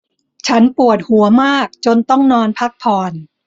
ฉันปวดหัวมากจนต้องนอนพักผ่อน